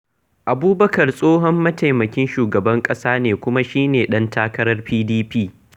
Abubakar tsohon mataimakin shugaban ƙasa ne kuma shi ne ɗan takarar PDP.